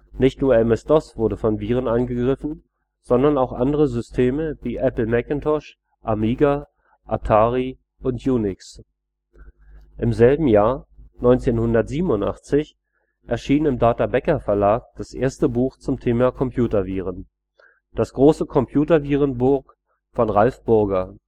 Nicht nur MS-DOS wurde von Viren angegriffen, sondern auch andere Systeme wie Apple Macintosh, Amiga, Atari und Unix. Im selben Jahr, 1987, erschien im Data-Becker-Verlag das erste Buch zum Thema Computerviren, Das große Computervirenbuch von Ralf Burger